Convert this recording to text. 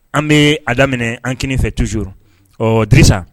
An bɛ a daminɛ an k fɛ tuur ɔ disa